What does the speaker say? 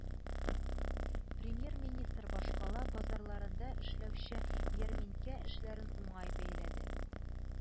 Премьер-министр башкала базарларында эшләүче ярминкә эшләрен уңай бәяләде